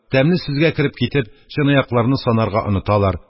Тәмле сүзгә кереп китеп, чынаякларны санарга оныталар,